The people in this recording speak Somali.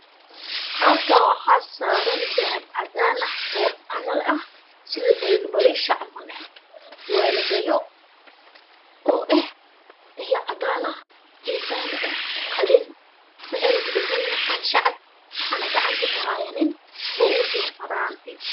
Halkaan waxa saaran dahab cadaan ah o sida baliisha camal ah waana dhago oo eh dhago cadaan ah geesahana ka ah qalin waxayna ku dhagan yihiin xaashi cad waxana gacanta ku haayo nin oo uu ugujiro faranti